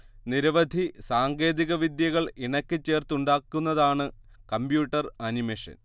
നിരവധി സാങ്കേധിക വിദ്യകൾ ഇണക്കിച്ചേർത്തുണ്ടാക്കുന്നതാണ് കമ്പ്യൂട്ടർ അനിമേഷൻ